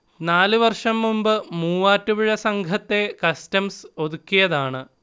നാലു വർഷം മുമ്പ് മൂവാറ്റുപുഴ സംഘത്തെ കസ്റ്റംസ് ഒതുക്കിയതാണ്